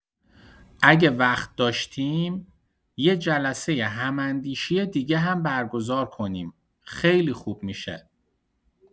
اگه وقت داشتیم، یه جلسه هم‌اندیشی دیگه هم برگزار کنیم، خیلی خوب می‌شه.